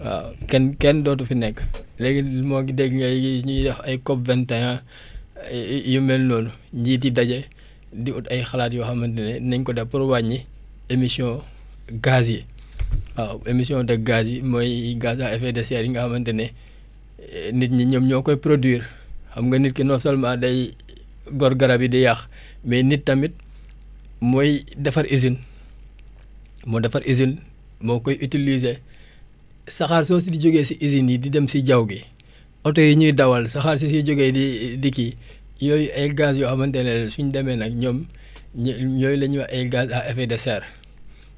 waaw kenn kenn dootu fi nekk léegi maa ngi dégg ñuy ñuy wax ay COP 21 yu mel noonu njiit yi daje di ut ay xalaat yoo xamante ne nañ ko def pour wàññi émission gaz yi waaw émission de gaz yi mooy gaz à effet de serre yi nga xamante ne nit ñi ñoom ñoo koy produire xam nga nit ki non seulement day gor garab yi di yàq mais nit tamit mooy defar usine moo defar usine moo koy utliser saxaar soosu di jógee si usines yi di dem si jaww gi oto yi ñuy dawal saxaar si siy jógee di di kii yooyu ay gaz yoo xamante ne la suñ demee nag ñoom ñu yooyu la ñuy wax ay gaz à effet de serre